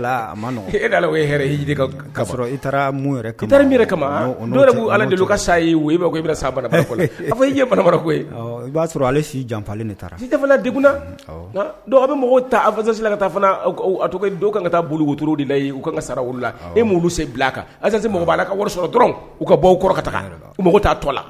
la a ma k e' e i kama don de'u ala deli ka sa i sa ko i ye bana koyi i b'a sɔrɔ si janfali de taara si tɛ dekunna a bɛ mɔgɔw ta afazsila ka taa dɔw kan ka taa boli wotu de la u kan ka sa wula e' se bila a kanzalise se mako' la ka wari sɔrɔ dɔrɔn u ka bɔ kɔrɔ ka taa la ko mɔgɔw t taa tɔ la